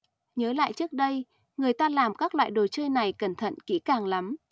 nhớ lại trước đây người ta làm các loại đồ chơi này cẩn thận kỹ càng lắm